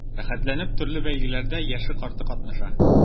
Рәхәтләнеп төрле бәйгеләрдә яше-карты катнаша.